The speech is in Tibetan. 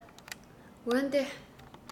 འོན ཏེ